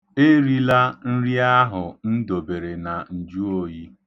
Erila nri ahụ m dobere na njuoyi.